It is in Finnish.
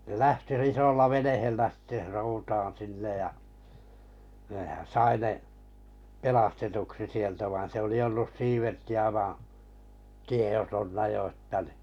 ne lähti - isolla veneellä sitten soutamaan sinne ja nehän sai ne pelastetuksi sieltä vaan se oli ollut vain tiedottomana jo että niin